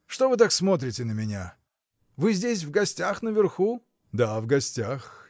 — Что вы так смотрите на меня? Вы здесь в гостях наверху? — Да, в гостях.